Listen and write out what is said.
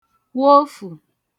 wofù